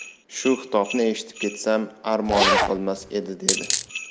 shu xitobni eshitib ketsam armonim qolmas edi dedi